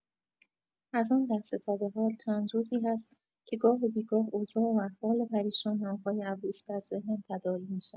از آن لحظه تا به حال چند روزی هست که گاه و بی‌گاه اوضاع و احوال پریشان آقای عبوس در ذهنم تداعی می‌شود.